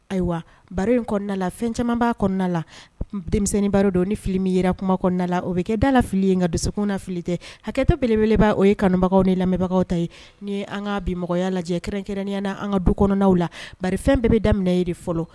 Ayiwa baro in kɔnɔna la fɛn caman' kɔnɔna la denmisɛnnin baro dɔn ni fili min yera kuma kɔnɔna la o bɛ kɛ da la filili ye ka dusukun na fili tɛ hakɛtɔ belebeleba o ye kanubagaw ni lamɛnbagaw ta ye ni an ka bimɔgɔya lajɛ kɛrɛnkɛrɛnya na an ka du kɔnɔnaw la ba fɛn bɛɛ bɛ daminɛ ye de fɔlɔ